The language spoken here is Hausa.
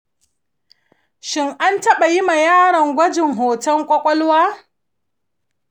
shin an taba yima yaron gwajin hoton kwakwalwa?